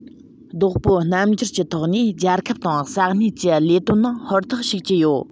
བདག པོའི རྣམ འགྱུར གྱི ཐོག ནས རྒྱལ ཁབ དང ས གནས ཀྱི ལས དོན ནང ཧུར ཐག ཞུགས ཀྱི ཡོད